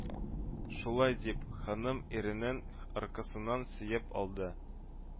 Шулай дип, ханым иренең аркасыннан сөеп алды